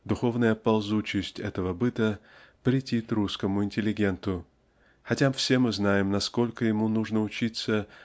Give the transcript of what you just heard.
духовная ползучесть этого "быта претит русскому интеллигенту хотя мы все знаем насколько ему надо учиться